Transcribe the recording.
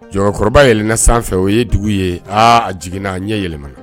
Cɛkɔrɔba yɛlɛ sanfɛ o ye dugu ye aa a jiginna a ɲɛ yɛlɛma